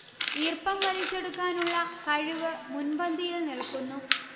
ഈർപ്പം വലിച്ചെടുക്കാനുളള കഴിവ് മുൻപന്തിയിൽ നിൽക്കുന്നു